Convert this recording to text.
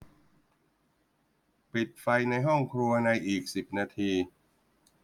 ปิดไฟในห้องครัวในอีกสิบนาที